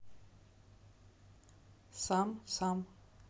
сам сам